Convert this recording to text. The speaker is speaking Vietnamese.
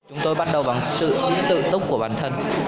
chúng tôi bắt đầu bằng sự tự túc của bản thân